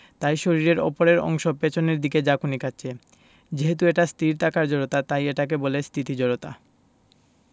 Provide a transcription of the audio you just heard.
তাই শরীরের ওপরের অংশ পেছনের দিকে ঝাঁকুনি খাচ্ছে যেহেতু এটা স্থির থাকার জড়তা তাই এটাকে বলে স্থিতি জড়তা